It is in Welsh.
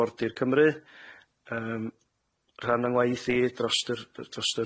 Arfordir Cymru yym, rhan o'n ngwaith i drost yr drost